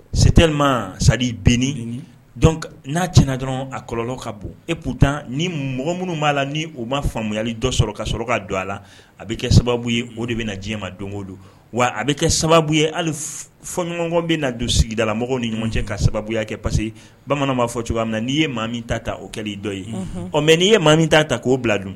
Seelilima sa b n'a ti dɔrɔn a kɔlɔnlɔ ka bon e ku tan ni mɔgɔ minnu b'a la ni u ma faamuyamuyali dɔ sɔrɔ ka sɔrɔ k'a don a la a bɛ kɛ sababu ye o de bɛ na diɲɛ ma don o don wa a bɛ kɛ sababu ye hali fɔɲɔgɔnɔn bɛ na don sigida la mɔgɔw ni ɲɔgɔn cɛ ka sababuya kɛ parce bamananw'a fɔ cogo min na n'i ye min ta ta o kɛlenli dɔ ye ɔ mɛ n'i ye maa min t ta ta k'o bila dun